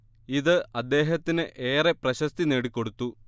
ഇത് അദ്ദേഹത്തിന് ഏറെ പ്രശസ്തി നേടിക്കൊടുത്തു